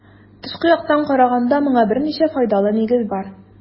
Тышкы яктан караганда моңа берничә файдалы нигез бар.